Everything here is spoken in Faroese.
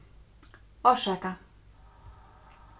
orsaka